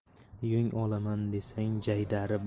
yung olaman desang jaydari